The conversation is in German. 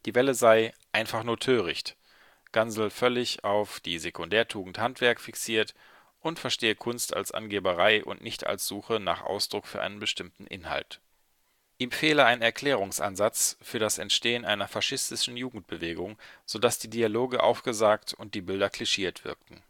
Welle sei „ einfach nur töricht, “Gansel völlig „ auf die Sekundärtugend Handwerk fixiert “, und verstehe Kunst als Angeberei und nicht als Suche nach Ausdruck für einen bestimmten Inhalt. Ihm fehle ein Erklärungsansatz für das Entstehen einer faschistischen Jugendbewegung, so dass die Dialoge aufgesagt und die Bilder klischiert wirkten